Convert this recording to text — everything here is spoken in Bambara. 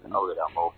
N yɛrɛ aw